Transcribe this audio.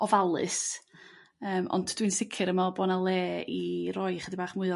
ofalus yrm ond dwi'n sicr yn me'wl bo' 'na le i roi 'chydig bach mwy o